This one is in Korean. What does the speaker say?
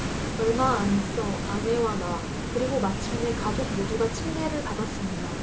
얼마 안 있어 아내와 나 그리고 마침내 가족 모두가 침례를 받았습니다